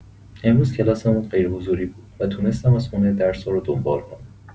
امروز کلاسمون غیرحضوری بود و تونستم از خونه درس‌ها رو دنبال کنم.